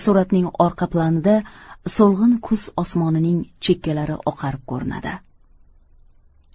suratning orqa planida so'lg'in kuz osmonining chekkalari oqarib ko'rinadi